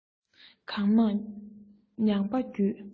གང མང མྱངས པ བརྒྱུད